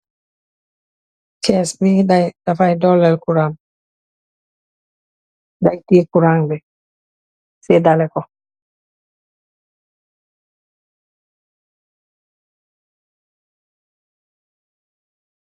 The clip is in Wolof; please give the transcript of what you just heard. cas b dafai dolel kuran daytie kurangbe see dale ko